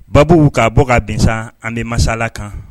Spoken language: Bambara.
Baa u ka bɔ ka bin ani de masala kan